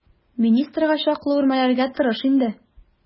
Министрга чаклы үрмәләргә тырыш инде.